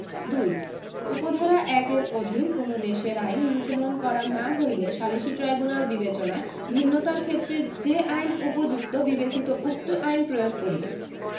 ২ উপ ধারা ১) এর অধীন কোন দেশের আইন নির্ধারণ করা না হইলে সালিসী ট্রাইব্যুনাল বিবেচনায় ভিন্নতার ক্ষেত্রে যে আইন উপযুক্ত বিবেচিত উক্ত আইন প্রয়োগ করিবে